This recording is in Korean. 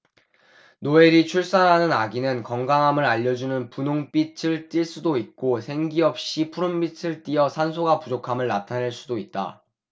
노엘이 출산하는 아기는 건강함을 알려 주는 분홍빛을 띨 수도 있고 생기 없이 푸른빛을 띠어 산소가 부족함을 나타낼 수도 있다